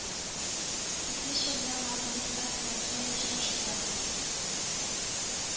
Гитлерчы белән Газинур тар траншеяда очраштылар